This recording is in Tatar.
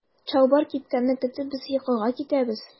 Чалбар кипкәнне көтеп без йокыга китәбез.